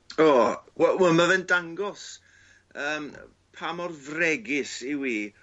O we- wel ma' fe'n dangos yym pa mor fregus yw 'i